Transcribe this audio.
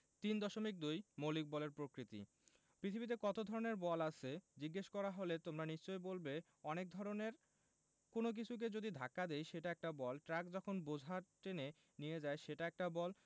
৩.২ মৌলিক বলের প্রকৃতিঃ পৃথিবীতে কত ধরনের বল আছে জিজ্ঞেস করা হলে তোমরা নিশ্চয়ই বলবে অনেক ধরনের কোনো কিছুকে যদি ধাক্কা দিই সেটা একটা বল ট্রাক যখন বোঝা টেনে নিয়ে যায় সেটা একটা বল